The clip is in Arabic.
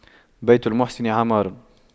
بيت المحسن عمار